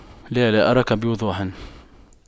لا لا أراك بوضوح